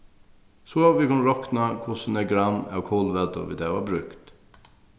so vit kunnu rokna hvussu nógv gramm av kolvætu vit hava brúkt